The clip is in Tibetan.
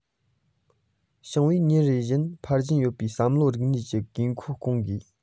ཞིང པའི ཉིན རེ བཞིན འཕེལ བཞིན པའི བསམ པའི རིག གནས ཀྱི དགོས མཁོ སྐོང དགོས